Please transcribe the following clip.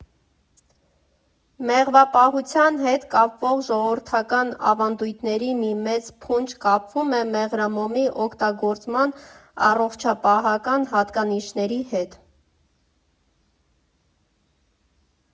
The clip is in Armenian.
Մեղվապահության հետ կապվող ժողովրդական ավանդույթների մի մեծ փունջ կապվում է մեղրամոմի օգտագործման առողջապահական հատկանիշների հետ։